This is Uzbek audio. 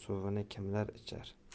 suvini kimlar ichar